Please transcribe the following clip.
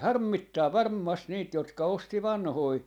harmittaa varmasti niitä jotka osti vanhoja